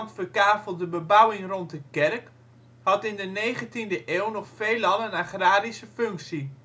verkavelde bebouwing rond de kerk had in de 19e eeuw nog veelal een agrarische functie